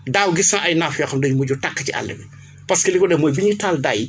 daaw gis naa ay naaf yoo xam dañu mujj àkk ci àll bi parce que li ko def mooy bi ñuy taal daay yi